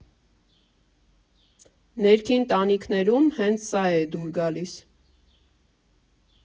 Նիքին տանիքներում հենց սա է դուր գալիս։